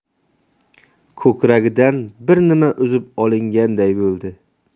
ko'kragidan bir nima uzib olinganday bo'ldi